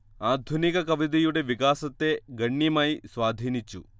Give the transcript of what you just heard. ആധുനിക കവിതയുടെ വികാസത്തെ ഗണ്യമായി സ്വാധീനിച്ചു